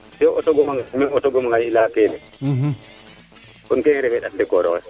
te auto goma nga in me auto goma nga i leya keene kon keene refe ndat de koroxe